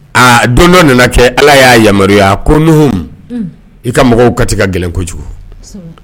A don dɔ nana kɛ ala y'a yamaya kounu i ka mɔgɔw kati gɛlɛn kojugu